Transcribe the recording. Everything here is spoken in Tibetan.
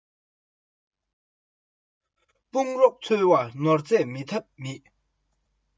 དཔུང རོགས འཚོལ བར ནོར རྫས མེད ཐབས མེད